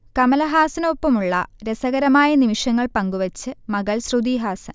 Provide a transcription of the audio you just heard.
കമലഹാസനൊപ്പമുള്ള രസകരമായ നിമിഷങ്ങൾ പങ്കുവെച്ച് മകൾ ശ്രുതി ഹാസൻ